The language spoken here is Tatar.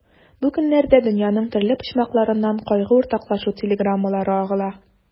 Бу көннәрдә дөньяның төрле почмакларыннан кайгы уртаклашу телеграммалары агыла.